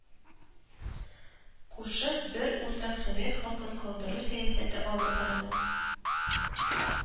Кушып, бер уртак совет халкын калдыру сәясәте алып барыла